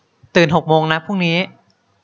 ตื่นหกโมงนะพรุ่งนี้